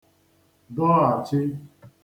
dọghachi